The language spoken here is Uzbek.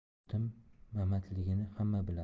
otim mamatligini hamma biladi